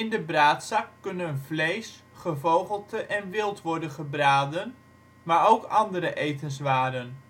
de braadzak kunnen vlees, gevogelte en wild worden gebraden, maar ook andere etenswaren